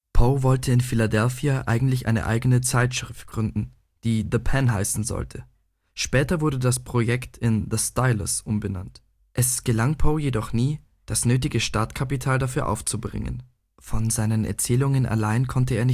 Poe wollte in Philadelphia eigentlich eine eigene Zeitschrift gründen, die The Penn heißen sollte, später wurde das Projekt in The Stylus umbenannt. Es gelang Poe jedoch nie, das nötige Startkapital dafür aufzubringen. Von seinen Erzählungen allein konnte